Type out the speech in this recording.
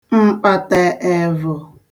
m̀kpàtaēvụ̀